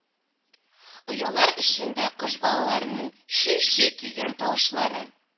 Оялар эчендә кош балаларының “чи-чи” килгән тавышлары